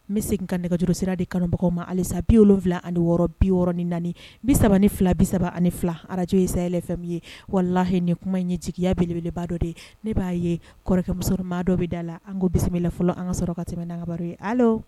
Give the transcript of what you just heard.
N bɛ se ka nɛgɛjuru sira de kanumɔgɔw ma ayiwasa bi wolonwula ani wɔɔrɔ bi6ɔrɔn ni bi saba ni fila bi saba ani fila arajo ye sayay fɛ min ye wala lahi nin kuma ɲɛ jigiya belebeleba dɔ de ye ne b'a ye kɔrɔkɛmuso maa dɔ bɛ da la an ko bisimila fɔlɔ an ka sɔrɔ ka tɛmɛga ye ale